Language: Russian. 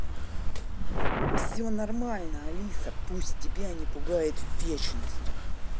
все нормально алиса пусть тебя не пугает вечность